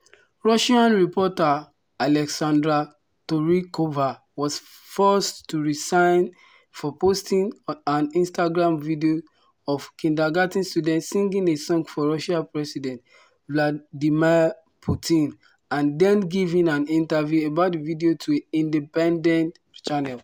Russian reporter Alexandra Terikova was forced to resign for posting an Instagram video of kindergarten students singing a song for Russian President Vladimir Putin and then giving an interview about the video to an independent channel.